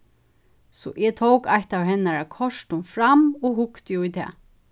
so eg tók eitt av hennara kortum fram og hugdi í tað